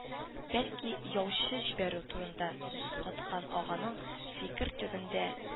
Бәлки яучы җибәрү турында сүз каткан аганың фикер төбендә